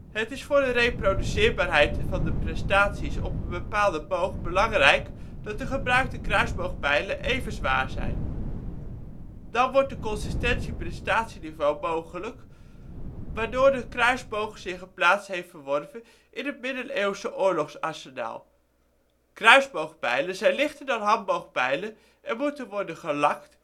Het is voor de reproduceerbaarheid van de prestaties op een bepaalde boog belangrijk dat de gebruikte kruisboogpijlen even zwaar zijn. Dan wordt het consistente prestatieniveau mogelijk waardoor de kruisboog zich een plaats heeft verworven in het middeleeuwse oorlogsarsenaal. Kruisboogpijlen zijn lichter dan handboogpijlen, en moeten worden gelakt